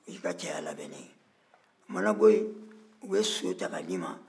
o y'i ka cɛya labɛnnen ye o mana bɔ yen u bɛ so ta ka d'i ma